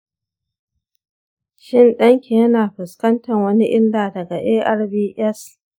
shin ɗanki yana fuskantan wani illa daga arvs?